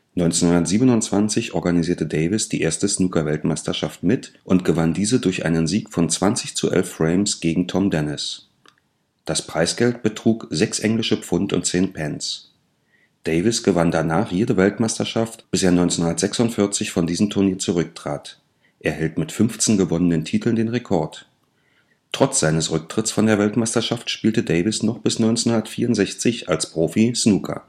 1927 organisierte er die erste Snookerweltmeisterschaft mit und gewann diese durch einen Sieg von 20 – 11 Frames gegen Tom Dennis. Das Preisgeld betrug 6,10 Englische Pfund. Davis gewann danach jede Weltmeisterschaft, bis er 1946 von diesem Turnier zurücktrat. Er hält mit 15 gewonnenen Titeln den Rekord. Trotz seines Rücktritts von der Weltmeisterschaft spielte Davis noch bis 1964 als Profi Snooker